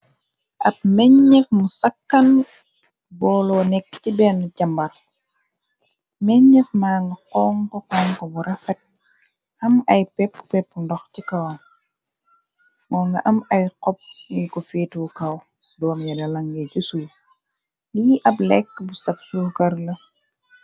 Ab menñef mu sakkan, booloo nekk ci benn càmbar, mennef manga xonxo xonxo bu rafat, am ay pepp pepp ndox ci kawan, moo nga am ay xob yiko feetu kaw doom ye ge langée sa suuf, lii ab lekk bu saf sukar la.